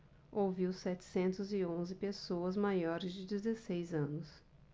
ouviu setecentos e onze pessoas maiores de dezesseis anos